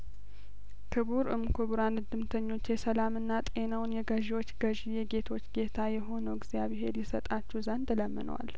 ክቡር እም ክቡራን እድምተኞቼ ሰላምና ጤናውን የገዢዎች ገዢ የጌቶች ጌታ የሆነው እግዚአብሄር ይሰጣችሁ ዘንድ እለምነ ዋለሁ